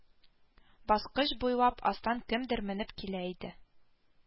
Баскыч буйлап астан кемдер менеп килә иде